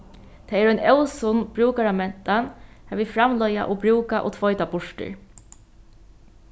tað er ein ósunn brúkaramentan har vit framleiða og brúka og tveita burtur